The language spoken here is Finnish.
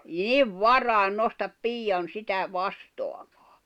niin varhain nousta piian sitä vastaamaan